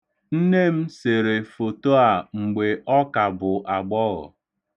O sere foto a mgbe ọ ka bụ agbọghọ.